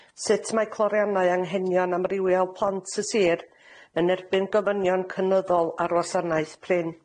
Sut mae cloriannau anghenion amrywiol plant y sir yn erbyn gofynion cynyddol ar wasanaeth prin?